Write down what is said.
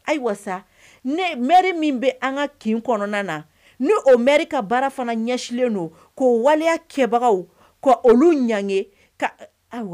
Ayiwa sa min bɛ an ka kin kɔnɔna na ne ka baara fana ɲɛsilen don k'o waliya kɛbagaw k ka olu ɲ